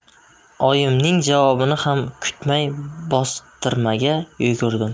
oyimning javobini ham kutmay bostirmaga yugurdim